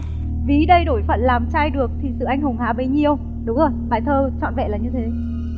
ví đây đổi phận làm trai được thì sự anh hùng há bấy nhiêu đúng rồi bài thơ trọn vẹn là như thế